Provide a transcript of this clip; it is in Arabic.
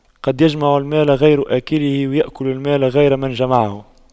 قد يجمع المال غير آكله ويأكل المال غير من جمعه